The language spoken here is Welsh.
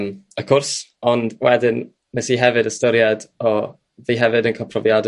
yym y cwrs ond wedyn 'nes i hefyd ystyried o fi hefyd yn ca'l profiade